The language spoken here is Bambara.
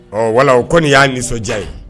Ɔ wala o kɔni y'a nisɔndiya ye